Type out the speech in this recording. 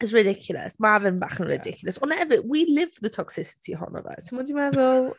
It's ridiculous. Mae fe'n bach yn ridiculous... ie ...ond hefyd we live the toxicity ohono fe. Timod be dwi'n meddwl?